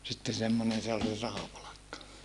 sitten semmoinen se oli se rahapalkka